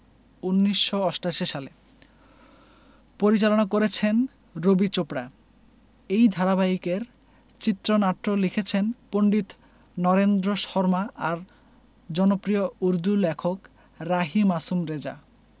১৯৮৮ সালে পরিচালনা করেছেন রবি চোপড়া এই ধারাবাহিকের চিত্রনাট্য লিখেছেন পণ্ডিত নরেন্দ্র শর্মা আর জনপ্রিয় উর্দু লেখক রাহি মাসুম রেজা